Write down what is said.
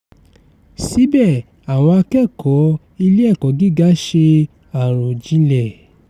Síbẹ̀, àwọn akẹ́kọ̀ọ́ ilé-ẹ̀kọ́ gíga ṣe àròjinlẹ̀.